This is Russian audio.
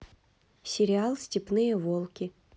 сериал степные волки